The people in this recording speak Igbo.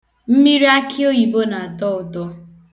Mmiri akịoyibo na-atọ ụtọ.